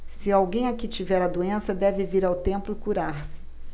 se alguém aqui tiver a doença deve vir ao templo curar-se